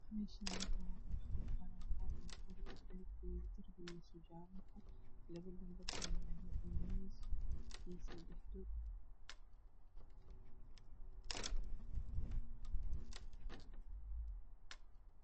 Meeshaani waa barxad banaan guri darbigiisa jaalo labo gabdhood ayaa yaalo iyo miis iyo sadexlo